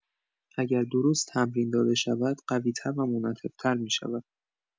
اگر درست تمرین داده شود، قوی‌تر و منعطف‌تر می‌شود.